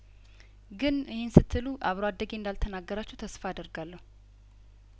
ግን ይህን ስትሉ አብሮ አደጌን እንዳል ተናገራችሁ ተስፋ አደርጋለሁ